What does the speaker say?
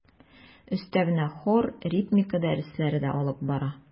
Өстәвенә хор, ритмика дәресләре дә алып бара.